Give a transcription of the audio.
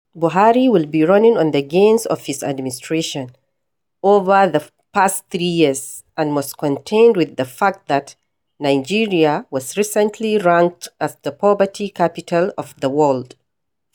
Buhari will be running on the gains of his administration over the past three years and must contend with the fact that Nigeria was recently ranked as the poverty capital of the world.